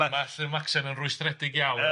Ma' ma' lly'r Maxen yn rwystredig iawn.